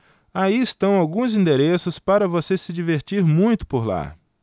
aí estão alguns endereços para você se divertir muito por lá